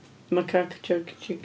Macaque chick.